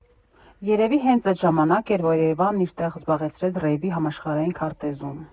Երևի հենց այդ ժամանակ էր, որ Երևանն իր տեղը զբաղեցրեց ռեյվի համաշխարհային քարտեզում։